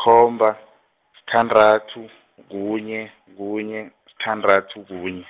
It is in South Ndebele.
khomba, sithandathu , kunye, kunye, sithandathu kunye.